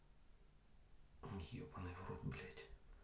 ебаный врот блядь